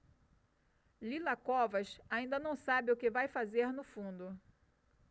lila covas ainda não sabe o que vai fazer no fundo